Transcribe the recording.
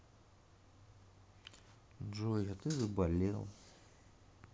джой а ты заболел